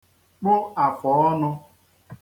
-kpụ àfọ̀ọnū